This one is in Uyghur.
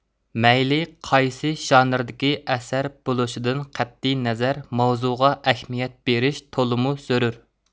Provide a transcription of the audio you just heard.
مەيلى قايسى ژانىردىكى ئەسەر بولۇشىدىن قەتئىينەزەر ماۋزۇغا ئەھمىيەت بېرىش تولىمۇ زۆرۈر